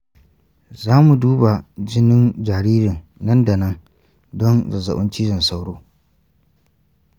za mu duba jinin jaririn nan-da-nan don zazzaɓin cizon sauro.